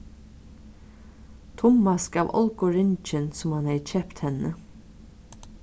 tummas gav olgu ringin sum hann hevði keypt henni